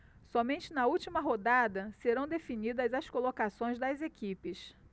somente na última rodada serão definidas as colocações das equipes